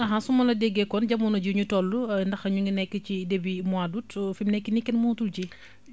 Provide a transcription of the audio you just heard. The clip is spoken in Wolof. su ma la déggee kon jamono ji ñu toll ndax ñi nekk ci début mois d' août fi mu nekk nii kenn mënatul ji